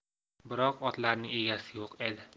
biroq otlarning egasi yo'q edi